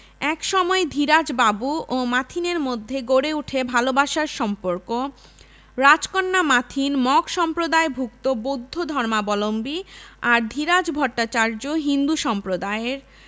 এক সময় ধীরাজ বাবু ও মাথিনের মধ্যে গড়ে উঠে ভালোবাসার সম্পর্ক রাজকন্যা মাথিন মগসম্প্রদায়ভুক্ত বৌদ্ধ ধর্মাবলম্বী আর ধীরাজ ভট্টাচার্য হিন্দু সম্প্রদায়ের